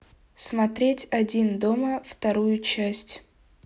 смотреть один дома вторую часть